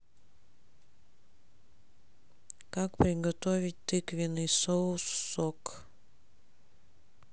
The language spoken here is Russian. как приготовить тыквенный соус сок